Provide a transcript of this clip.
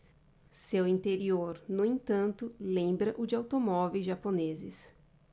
seu interior no entanto lembra o de automóveis japoneses